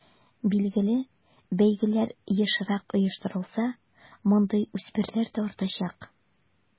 Билгеле, бәйгеләр ешрак оештырылса, мондый үсмерләр дә артачак.